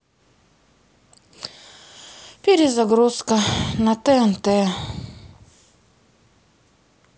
перезагрузка на тнт